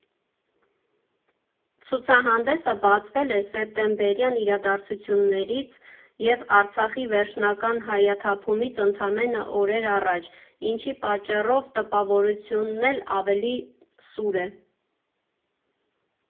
Ցուցահանդեսը բացվել էր սեպտեմբերյան իրադարձություններից և Արցախի վերջնական հայաթափումից ընդամենը օրեր առաջ, ինչի պատճառով տպավորությունն է՛լ ավելի սուր է։